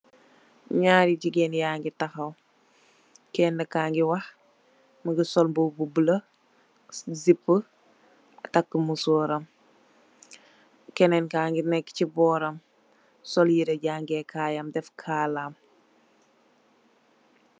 Nyaari jigeen yangi tahaw, kena kaangi wah, mungi sol mbubu bu buleuh, zipu, tak musooram, keneen kaangi nek chi booram, sol yireeh jangee kaayam, def kaalam.